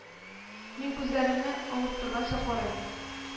Мин күзләремне авырттырганчы карыйм